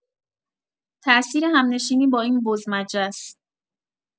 تاثیر همنشینی با این بزمجه ست.